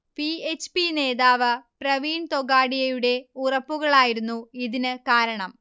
V. H. P. നേതാവ് പ്രവീൺ തൊഗാഡിയയുടെ ഉറപ്പുകളായിരുന്നു ഇതിന് കാരണം